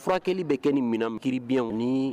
Furakɛli bɛ kɛ nin minɛn kiiri bi